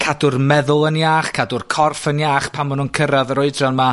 cadw'r meddwl yn iach, cadw'r corff yn iach, pan ma' nw'n cyrradd yr oedran 'ma